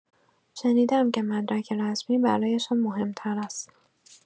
شنیده‌ام که مدرک رسمی برایشان مهم‌تر است.